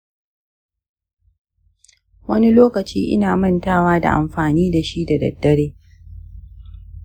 wani lokacin ina mantawa da amfani da shi da daddare.